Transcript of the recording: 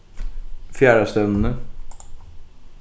fjarðastevnuni